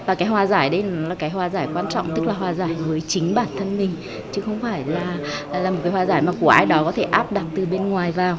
và cái hòa giải đây là cái hòa giải quan trọng tức là hòa giải với chính bản thân mình chứ không phải là là là một cái hòa giải của ai đó có thể áp đặt từ bên ngoài vào